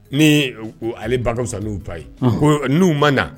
Ni ale ba san n'u ta ye ko n'u ma na